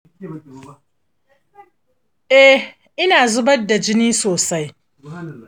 eh, ina zubar da jini sosai